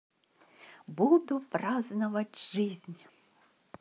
буду праздновать жизнь